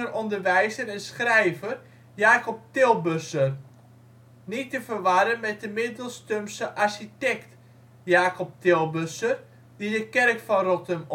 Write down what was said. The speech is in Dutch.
onderwijzer en schrijver Jacob Tilbusscher (1876-1958), niet te verwarren met de Middelstumse architect Jacob Tilbusscher, die de kerk van Rottum ontwierp